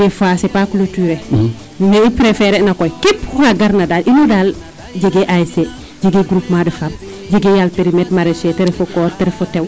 Dés fois c' est pas cloture ee ne i préfèré na koy kep oxa garna daal ino ndaa le jegee ASC jegee groupement de femme jegee yaal périmetre national ta ref o koor ta ref o tew .